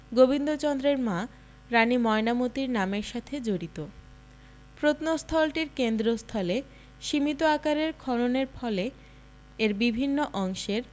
গোবিন্দচন্দ্রের মা রানী ময়নামতীর নামের সাথে জড়িত প্রত্নস্থলটির কেন্দ্রস্থলে সীমিত আকারের খননের ফলে এর বিভিন্ন অংশের